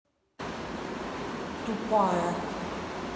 тупая